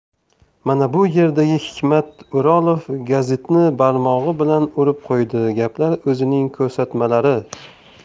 mana bu yerdagi hikmat o'rolov gazitni barmog'i bilan urib qo'ydi gaplar o'zining ko'rsatmalari